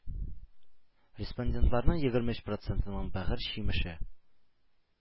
Респондентларның егерме өч процентының бәгырь җимеше